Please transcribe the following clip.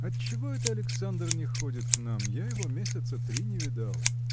– Отчего это Александр не ходит к нам? я его месяца три не видал